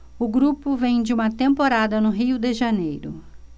o grupo vem de uma temporada no rio de janeiro